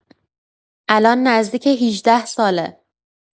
الان نزدیک هجده‌ساله.